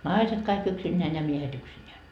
naiset kaikki yksinään ja miehet yksinään